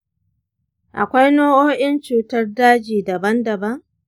akwai nau’o’in cutar daji daban-daban?